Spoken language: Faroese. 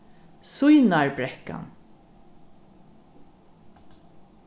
sýnarbrekkan